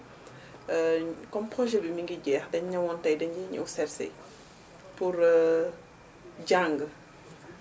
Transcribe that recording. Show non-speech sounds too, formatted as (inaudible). (hesitation) comme projet bi mu ngi jeex dañu newoon tey dañuy ñëw seet si pour (hesitation) jàng